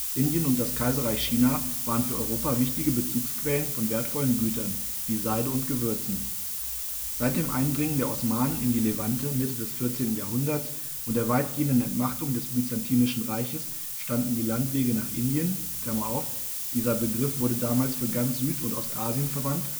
Indien und das Kaiserreich China waren für Europa wichtige Bezugsquellen von wertvollen Gütern wie Seide und Gewürzen. Seit dem Eindringen der Osmanen in die Levante Mitte des 14. Jahrhunderts und der weitgehenden Entmachtung des Byzantinischen Reiches standen die Landwege nach Indien (dieser Begriff wurde damals für ganz Süd - und Ostasien verwandt